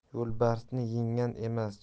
yo'lbarsni yenggan emas